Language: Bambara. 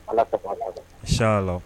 nsalawu